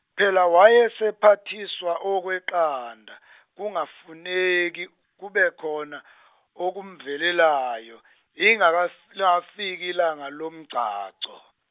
phela wayesephathiswa okweqanda , kungafuneki kubekhona okumvelelayo linga- lingakafiki ilanga lomgcagco.